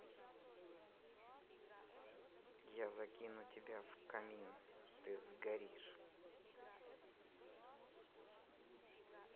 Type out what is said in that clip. я закину тебя в камин ты сгоришь